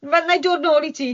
Wel, wna i dod nôl i ti.